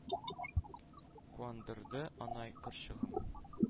Куандырды анай карчыгын,